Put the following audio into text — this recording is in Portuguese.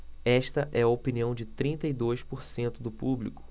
esta é a opinião de trinta e dois por cento do público